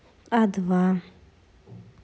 а два